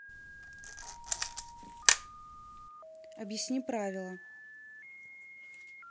объясни правила